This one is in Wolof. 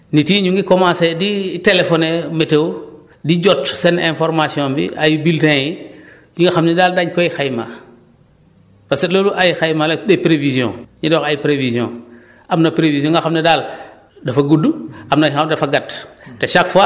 mais léegi nit yi ñu ngi commencé di téléphoner météo di jot seen information bi ay bulletins yi yoo xam ne daal dañ koy xayma parce que loolu ay xayma rek des prévisions ñu def ay prévisions am na prévision yu nga xam ne daal dafa gudd am na yoo xam dafa gàtt